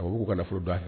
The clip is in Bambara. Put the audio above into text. U b'u kana nafolo da fɛ